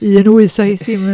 Un wyth saith dim.